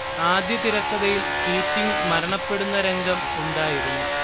ആദ്യ തിരക്കഥയിൽ കീറ്റിംഗ് മരണപ്പെടുന്ന രംഗം ഉണ്ടായിരുന്നു